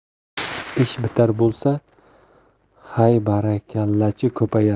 ish bitar bo'lsa haybarakallachi ko'payar